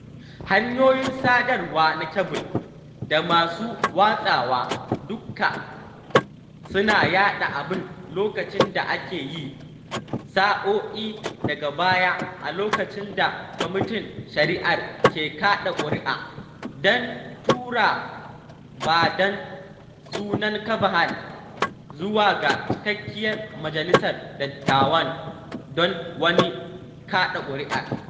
Hanyoyin sadarwa na kebul da masu watsawa dukka suna yaɗa abin lokacin da ake yi sa’o’i daga baya, a lokacin da Kwamitin Shari’ar ke kaɗa kuri’a don tura ba da sunan Kavanaugh zuwa ga cikakkiyar Majalisar Dattawan don wani kaɗa kuri’ar.